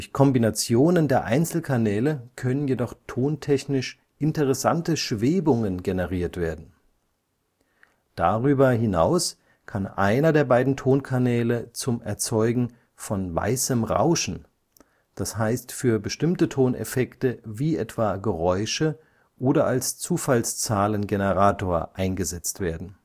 Kombinationen der Einzelkanäle können jedoch tontechnisch interessante Schwebungen generiert werden. Darüber hinaus kann einer der beiden Tonkanäle zum Erzeugen von weißem Rauschen („ Stimme 3 “), d. h. für bestimmte Toneffekte wie etwa Geräusche oder als Zufallszahlengenerator eingesetzt werden